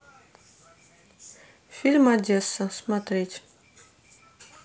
фильм одесса смотреть